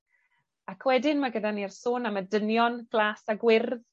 Ac wedyn ma' gyda ni'r sôn am y dynion glas a gwyrdd,